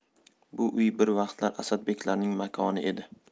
bu uy bir vaqtlar asadbeklarning makoni edi